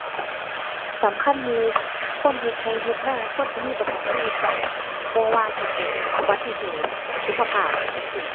สำคัญอยู่ คนเฮ็ดไร่เฮ็ดนาควรสิมีประกันชีวิตไว้ บ่ว่าสิเป็นอุบัติเหตุ สุขภาพจั่งซี้